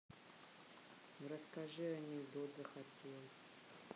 расскажи анекдот захотел